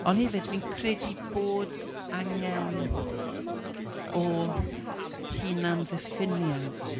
Ond hefyd fi'n credu bod angen o hunan-ddiffiniad...